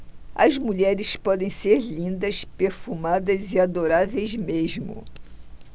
as mulheres podem ser lindas perfumadas e adoráveis mesmo